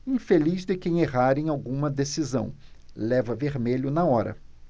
infeliz de quem errar em alguma decisão leva vermelho na hora